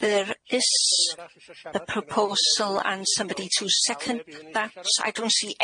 There is a proposal and somebody to second that. I don't see any hands